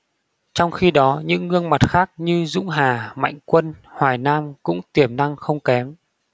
trong khi đó những gương mặt khác như dũng hà mạnh quân hoài nam cũng tiềm năng không kém